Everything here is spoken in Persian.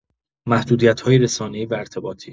محدودیت‌های رسانه‌ای و ارتباطی